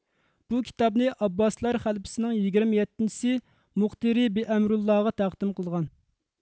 بۇ كىتابنى ئابباسلار خەلىپىسىنىڭ يىگىرمە يەتتىنچىسى مۇقتىرى بىئەمرۇللاغا تەقدىم قىلغان